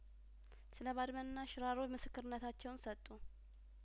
ስለባድመና ሽራሮ ምስክርነታቸውን ሰጡ